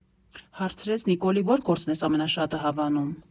Հարցրեց՝ Նիկոլի ո՞ր գործն ես ամենաշատը հավանում։